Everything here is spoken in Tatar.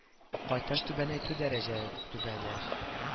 Кайтыш түбәнәйтү дәрәҗә түбәнә